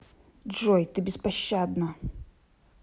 джой ты беспощадна